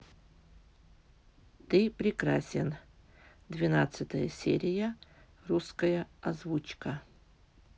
ты прекрасен двенадцатая серия русская озвучка